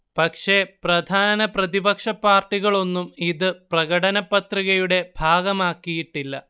പക്ഷേ പ്രധാന പ്രതിപക്ഷ പാർട്ടികളൊന്നും ഇത് പ്രകടനപത്രികയുടെ ഭാഗമാക്കിയിട്ടില്ല